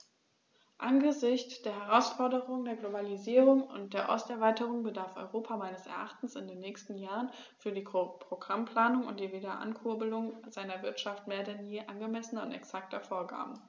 Angesichts der Herausforderung der Globalisierung und der Osterweiterung bedarf Europa meines Erachtens in den nächsten Jahren für die Programmplanung und die Wiederankurbelung seiner Wirtschaft mehr denn je angemessener und exakter Vorgaben.